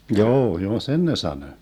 joo joo sen ne sanoi